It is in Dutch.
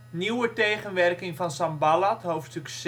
Nieuwe tegenwerking van Sanballat (hoofdstuk